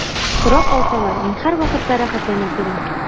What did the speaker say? Сорап алсалар, мин һәрвакытта рәхәтләнеп бирәм.